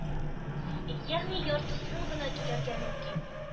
Ягъни яртысын гына түләргә мөмкин.